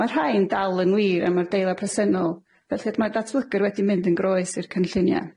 Mae'r rhain dal yn wir am yr adeilad presennol, felly mae'r datblygwr wedi mynd yn groes i'r cynllunie.